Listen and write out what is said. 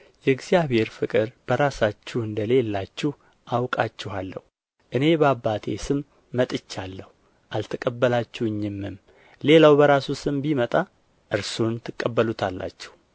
የእግዚአብሔር ፍቅር በራሳችሁ እንደ ሌላችሁ አውቃችኋለሁ እኔ በአባቴ ስም መጥቻለሁ አልተቀበላችሁኝምም ሌላው በራሱ ስም ቢመጣ እርሱን ትቀበሉታላችሁ